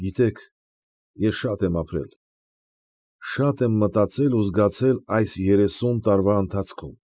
Գիտե՞ք, ես շատ եմ ապրել, շատ եմ մտածել ու զգացել այս երեսուն տարվա ընթացքում։